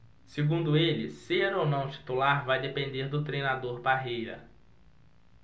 segundo ele ser ou não titular vai depender do treinador parreira